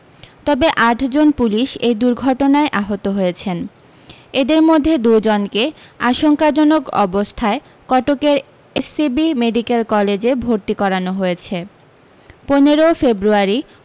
তবে আট জন পুলিশ এই দুর্ঘটনায় আহত হয়েছেন এদের মধ্যে দু জনকে আশঙ্কাজনক অবস্থায় কটকের এসসিবি মেডিক্যাল কলেজে ভর্তি করানো হয়েছে পনেরোও ফেব্রুয়ারি